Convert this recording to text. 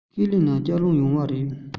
ཁས ལེན ན བསྐྱར ལོག ཡོང གི རེད